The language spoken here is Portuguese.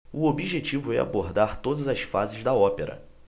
o objetivo é abordar todas as fases da ópera